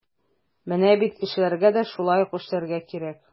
Менә бит кешеләргә дә шулай ук эшләргә кирәк.